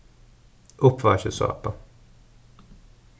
uppvaskisápa